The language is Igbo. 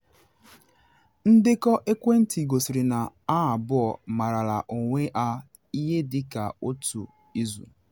Ndekọ ekwentị gosiri na ha abụọ marala onwe ha ihe dị ka otu izu.